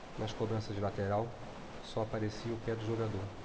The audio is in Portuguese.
nas cobranças de lateral só aparecia o pé do jogador